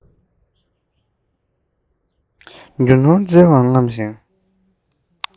རྒྱུ ནོར བཙལ བ ལ རྔམ ཞིང